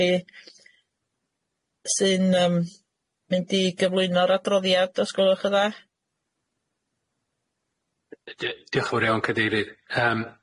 chi sy'n yym mynd i gyflwyno'r adroddiad os gwelwch yn dda. D- di- diolch yn fawr iawn cadeirydd yym.